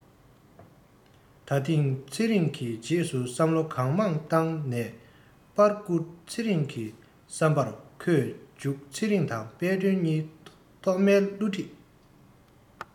ད ཐེངས ཚེ རིང གིས རྗེས སུ བསམ བློ གང མང བཏང ནས པར བསྐུར ཚེ རིང གི བསམ པར ཁོས མཇུག ཚེ རིང དང དཔལ སྒྲོན གཉིས ཐོག མའི བསླུ བྲིད